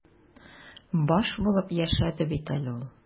Баш булып яшәде бит әле ул.